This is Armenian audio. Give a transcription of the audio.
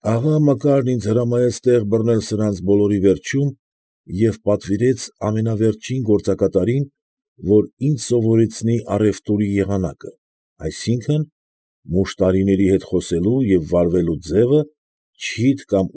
Աղա Մակարն ինձ հրամայեց տեղ բռնել սրանց բոլորի վերջում և պատվիրեց ամենավերջին գործակատարին, որ ինձ սովորեցնե առուտուրի եղանակը, այսինքն՝ մուշտարիների հետ խոսելու և վարվելու ձևը, չիթ կամ։